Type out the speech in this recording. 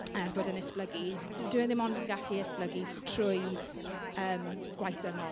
er bod e'n esblygu, dyw dyw e ddim ond yn gallu esblygu trwy yym gwaith dynol.